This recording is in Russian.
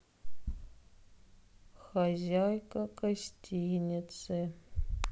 хозяйка гостиницы